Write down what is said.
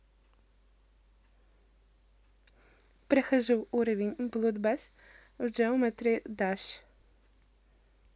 прохожу уровень bloodbath в geometry dash